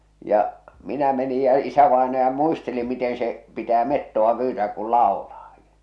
ja minä menin ja isävainaja muisteli miten se pitää metsoa pyytää kun laulaa